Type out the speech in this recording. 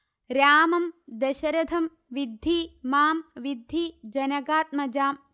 രാമം ദശരഥം വിദ്ധി മാം വിദ്ധി ജനകാത്മജാം